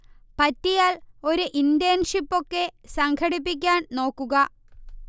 പറ്റിയാൽ ഒരു ഇന്റേൺഷിപ്പ് ഒക്കെ സംഘടിപ്പിക്കാൻ നോക്കുക